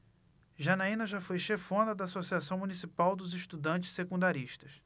janaina foi chefona da ames associação municipal dos estudantes secundaristas